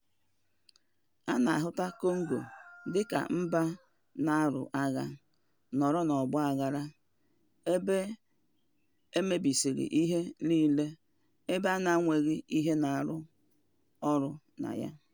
A na-ahụta Kongo dịka mba na-alụ agha, nọrọ n'ọgbaghara, ebe e mebisiri ihe niile, ebe na-enweghị ihe na-arụ ọrụ na ya.